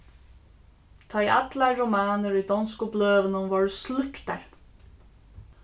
tá ið allar romanir í donsku bløðunum vórðu slúktar